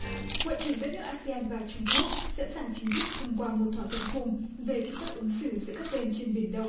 ngoại trưởng các nước a sê an và trung quốc sẵn sàng chính thức thông qua một thỏa thuận khung về quy tắc ứng xử giữa các bên trên biển đông